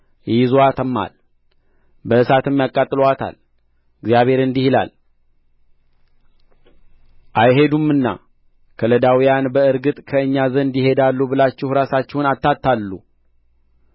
ይይዙአትማል በእሳትም ያቃጥሉአታል እግዚአብሔር እንዲህ ይላል አይሄዱምና ከለዳውያን በእርግጥ ከእኛ ዘንድ ይሄዳሉ ብላችሁ ራሳችሁን አታታልሉ